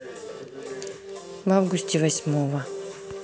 в августе восьмого